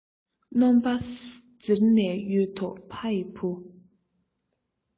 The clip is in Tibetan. ནོམ པ འཛིར ནས ཡོད དོ ཕ ཡི བུ